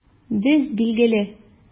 Без, билгеле!